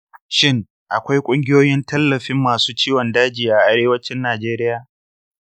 shin akwai ƙungiyoyin tallafin masu ciwon daji a arewacin najeriya?